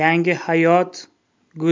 yangi hayot